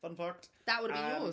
Fun fact.... That would have been yours.